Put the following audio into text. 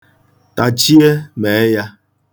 Tachie, mee ya.